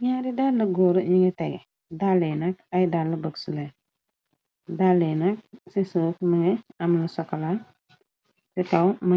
ñaari dalla góora ñi nga tege dallenak ay dalla bëksule dalle nak ci suuf manga amalu sokalaa ci kaw më